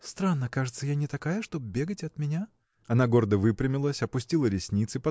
– Странно, кажется, я не такая, чтоб бегать от меня. Она гордо выпрямилась опустила ресницы